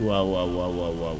waaw waaw waaw waaw